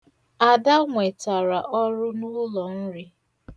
Ada nwetara ọrụ n'ụlọnri.